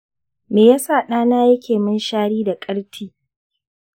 me yasa ɗana yake minshari da ƙartı?